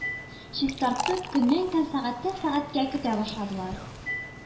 Чистартып көннән-көн, сәгатьтән-сәгатькә көтә башладылар,